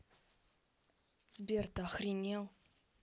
сбер ты охренел